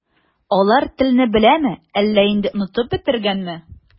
Алар телне беләме, әллә инде онытып бетергәнме?